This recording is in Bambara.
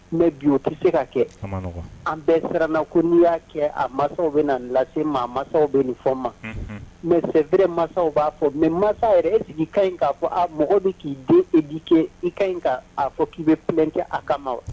Mɛ bio tɛ se ka kɛ an bɛɛ siranna ko n'i y'a kɛ a mansaw bɛ na lase maa mansaw bɛ nin fɔ ma mɛ sɛbere mansaw b'a fɔ mɛ mansa yɛrɛ sigi ka in k'a fɔ a mɔgɔdu k'i den e' kɛ i ka ka a fɔ k'i bɛ p kɛ a kama